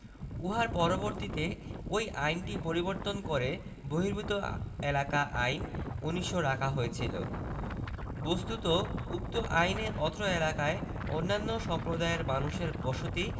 উহার পরবর্তীতে ঐ আইনটি পরিবর্তন করে বহির্ভূত এলাকা আইন ১৯০০ রাখা হয়েছিল বস্তুত উক্ত আইনে অত্র এলাকায় অন্যান্য সম্প্রদায়ের মানুষের বসতী